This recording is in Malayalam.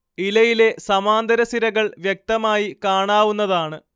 ഇലയിലെ സമാന്തര സിരകൾ വ്യക്തമായി കാണാവുന്നതാണ്